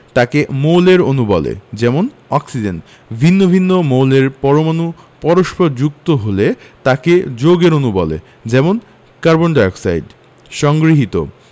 তাকে মৌলের অণু বলে যেমন অক্সিজেন ভিন্ন ভিন্ন মৌলের পরমাণু পরস্পর যুক্ত হলে তাকে যৌগের অণু বলে যেমন কার্বন ডাই অক্সাইড সংগৃহীত